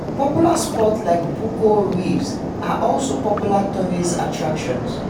Popular spots like Buccoo Reef are also popular tourist attractions.